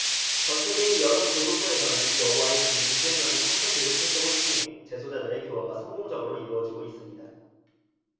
전 세계의 여러 교도소에서는 여호와의 증인이 수행하는 성서 교육 활동을 통해 재소자들의 교화가 성공적으로 이루어지고 있습니다